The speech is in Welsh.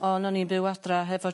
O'n o'n i'n byw adre hefo...